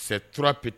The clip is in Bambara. ces 3